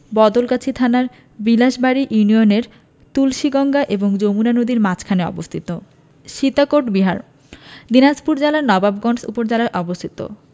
বদলগাছি থানার বিলাসবাড়ি ইউনিয়নে তুলসীগঙ্গা এবং যমুনা নদীর মাঝখানে অবস্থিত সীতাকোট বিহার দিনাজপুর জেলার নওয়াবগঞ্জ উপজেলায় অবস্থিত